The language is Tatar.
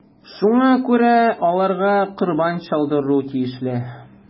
Шуңа күрә аларга корбан чалдыру тиешле.